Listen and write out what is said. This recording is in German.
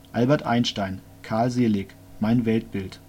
Albert Einstein, Carl Seelig: Mein Weltbild